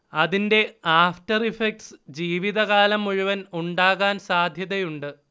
അതിന്റെ after effects ജീവിതകാലം മുഴുവൻ ഉണ്ടാകാൻ സാധ്യതയുണ്ട്